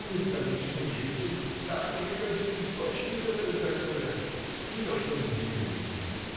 — Вы столичный житель, там живете у источника, так сказать. не то что мы, деревенские.